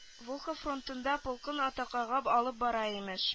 Волхов фронтында полкын атакага алып бара имеш